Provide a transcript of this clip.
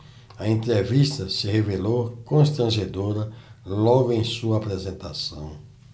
a entrevista se revelou constrangedora logo em sua apresentação